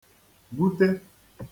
-gwute